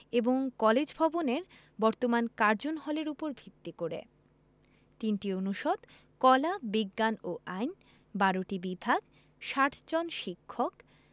এবং কলেজ ভবনের বর্তমান কার্জন হল উপর ভিত্তি করে ৩টি অনুষদ কলা বিজ্ঞান ও আইন ১২টি বিভাগ ৬০ জন শিক্ষক